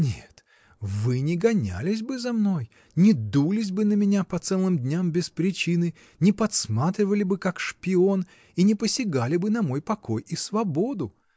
Нет, вы не гонялись бы за мной, не дулись бы на меня по целым дням без причины, не подсматривали бы, как шпион, и не посягали бы на мой покой и свободу!